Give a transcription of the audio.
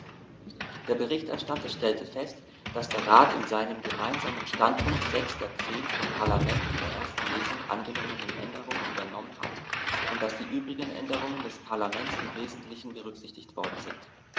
Der Berichterstatter stellte fest, dass der Rat in seinem Gemeinsamen Standpunkt sechs der zehn vom Parlament in der ersten Lesung angenommenen Änderungen übernommen hat und dass die übrigen Änderungen des Parlaments im wesentlichen berücksichtigt worden sind.